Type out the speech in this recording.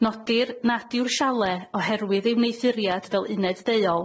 Nodir nad yw'r sialê oherwydd ei meuthuriad fel uned deuol